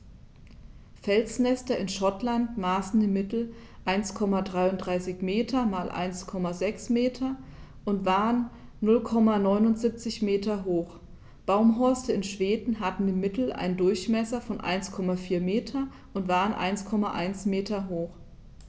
Felsnester in Schottland maßen im Mittel 1,33 m x 1,06 m und waren 0,79 m hoch, Baumhorste in Schweden hatten im Mittel einen Durchmesser von 1,4 m und waren 1,1 m hoch.